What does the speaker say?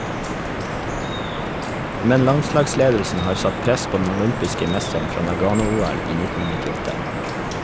Men landslagsledelsen har satt press på den olympiske mesteren fra Nagano-OL i 1998.